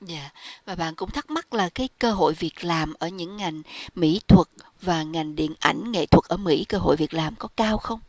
dạ và bạn cũng thắc mắc là cái cơ hội việc làm ở những ngành mỹ thuật và ngành điện ảnh nghệ thuật ở mỹ cơ hội việc làm có cao không